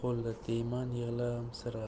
qoldi deyman yig'lamsirab